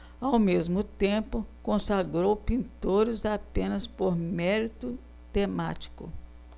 ao mesmo tempo consagrou pintores apenas por mérito temático